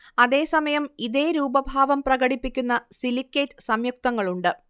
അതേ സമയം ഇതേ രൂപഭാവം പ്രകടിപ്പിക്കുന്ന സിലിക്കേറ്റ് സംയുക്തങ്ങളുണ്ട്